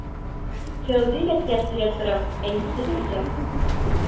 Фәүзи мәктәп директоры, әнисе Гөлсем